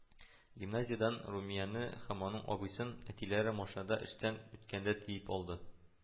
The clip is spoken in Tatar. Гимназиядән Румияне һәм аның абысын, әтиләре машинада эштән үткәндә тиеп алды